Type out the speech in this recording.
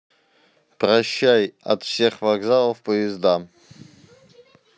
прощай от всех вокзалов поезда